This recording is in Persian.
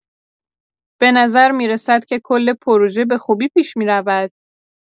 به نظر می‌رسد که کل پروژه به خوبی پیش می‌رود.